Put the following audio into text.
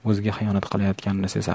o'ziga xiyonat qilayotganini sezardi